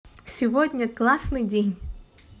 сегодня классный день